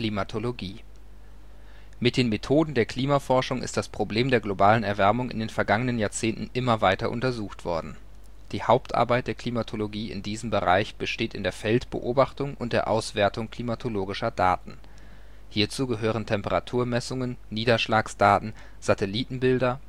Mit den Methoden der Klimaforschung ist das Problem der globalen Erwärmung in den vergangen Jahrzehnten immer weiter untersucht worden. Die Hauptarbeit der Klimatologie in diesem Bereich besteht in der Feldbeobachtung und der Auswertung klimatologischer Daten. Hierzu gehören Temperaturmessungen, Niederschlagsdaten, Satellitenbilder